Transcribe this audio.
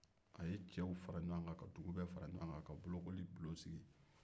a ye cɛw bɛ fara ɲɔgɔn kan ka dugu bɛ fara ɲɔgɔn kan ka bolokoli bulon sigi